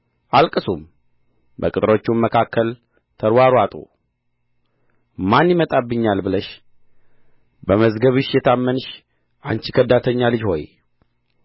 አልቅሱም በቅጥሮችም መካከል ተርዋርዋጡ ማን ይመጣብኛል ብለሽ በመዝገብሽ የታመንሽ አንቺ ከዳተኛ ልጅ ሆይ